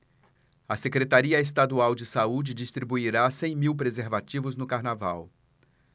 a secretaria estadual de saúde distribuirá cem mil preservativos no carnaval